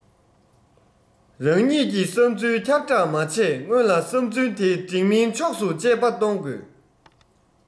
རང ཉིད ཀྱི བསམ ཚུལ ཁྱབ སྦྲགས མ བྱས སྔོན ལ བསམ ཚུལ དེ འགྲིག མིན ཕྱོགས སུ དཔྱད པ གཏོང དགོས